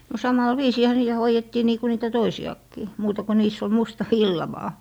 no samalla viisiinhän niitä hoidettiin niin kuin niitä toisiakin muuta kuin niissä oli musta villa vain